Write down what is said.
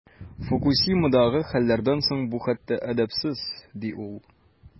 Фукусимадагы хәлләрдән соң бу хәтта әдәпсез, ди ул.